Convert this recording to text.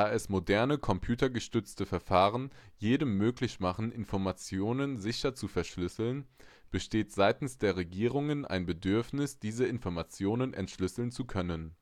es moderne, computergestützte Verfahren jedem möglich machen, Informationen sicher zu verschlüsseln, besteht seitens der Regierungen ein Bedürfnis, diese Informationen entschlüsseln zu können